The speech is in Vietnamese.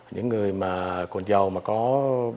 những người mà cồn dầu mà có